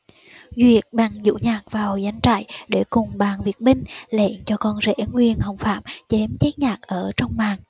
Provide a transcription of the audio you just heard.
duyệt bèn dụ nhạc vào doanh trại để cùng bàn việc binh lệnh cho con rể nguyên hồng phạm chém chết nhạc ở trong màn